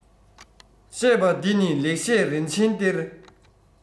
བཤད པ འདི ནི ལེགས བཤད རིན ཆེན གཏེར